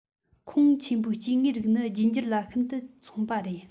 ཁོངས ཆེན པོའི སྐྱེ དངོས རིགས ནི རྒྱུད འགྱུར ལ ཤིན དུ མཚུངས པ རེད